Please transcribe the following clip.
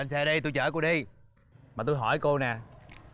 lên xe đi tôi trở cô đi mà tôi hỏi cô nè